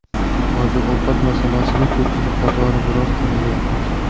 oziq ovqat masalasida ko'pchilik qatori biroz qiynalyapmiz